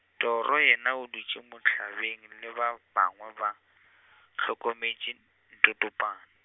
Toro yena o dutše mohlabeng le ba bangwe ba , hlokometše Ntotompane.